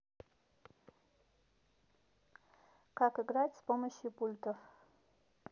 как играть с помощью пультов